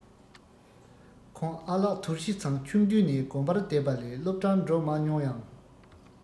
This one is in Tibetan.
ཁོང ཨ ལགས དོར ཞི ཚང ཆུང དུས དགོན པར བསྡད པ ལས སློབ གྲྭར འགྲོ མ མྱོང ཡང